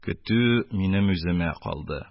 Көтү минем үземә калды.